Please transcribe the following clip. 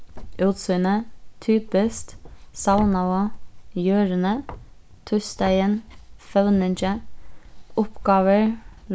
útsýnið typiskt savnaðu jørðini týsdagin føvningi uppgávur